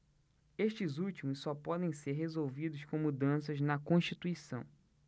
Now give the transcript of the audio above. estes últimos só podem ser resolvidos com mudanças na constituição